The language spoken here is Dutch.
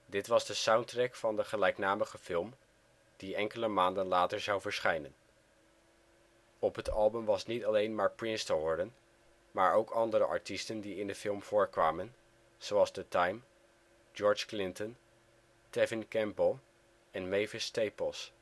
Dit was de soundtrack van de gelijknamige film die enkele maanden later zou verschijnen. Op het album was niet alleen maar Prince te horen, maar ook andere artiesten die in de film voorkwamen, zoals The Time, George Clinton, Tevin Campbell en Mavis Staples